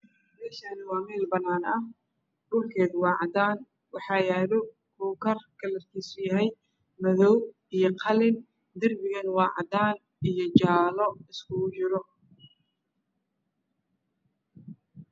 Meshan waa mel banan ah dhulked waa cadan waxayalo kukan kalarkis yahay madow io qalin dirbigan waa cadan io jale iskuku jiro